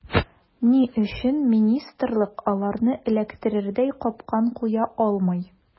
Ни өчен министрлык аларны эләктерердәй “капкан” куя алмый.